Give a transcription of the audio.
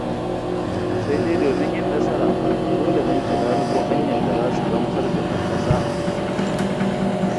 Sai dai domin yin nasara, dole ne su lalubo hanyar da za su gamsar da 'yan ƙasa amfaninsu.